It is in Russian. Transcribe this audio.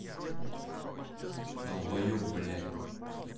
долбоеб блядь